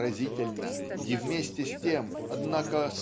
разительно и вместе с тем однако